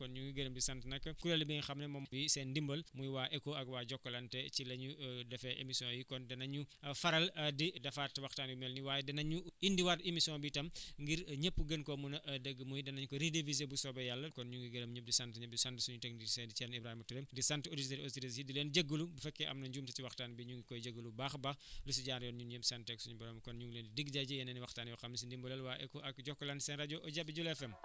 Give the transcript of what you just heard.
kon ñu ngi gërëm di sant nag kuréel bi nga xam ne moom mooy seen ndimbal muy waa ECHO ak waa Jokalante ci la ñuy defee &émission yi kon danañu faral di defaat waxtaan yu mel nii waaye danañu indiwaat émission bi tam ngir ñëpp gën koo mun a dégg muy danañ ko rediffuser bu soobee yàlla kon ñu ngi gërëm ñëpp di sant ñëpp di sant suñu technicien di Thierno Ibrahima Toure di sant auditeurs auditrices yi di leen jégalu bu fekkee am na njuumte si waxtaan bi ñu ngi koy jégalu bu baax a baax lu si jaadu ñun ñu santee ko suñu borom kon ñu ngi leen di dig daje yeneen waxtaan yoo xam ne si ndimbalal waa ECHO ak Jokalante seen rajo Jabi Jula FM